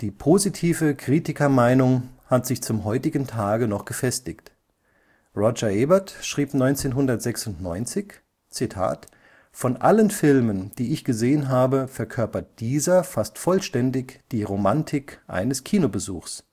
positive Kritikermeinung hat sich zum heutigen Tage noch gefestigt. Roger Ebert schrieb 1996, „ von allen Filmen, die ich gesehen habe, verkörpert dieser fast vollständig die Romantik eines Kinobesuchs